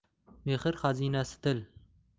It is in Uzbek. mehr xazinasi til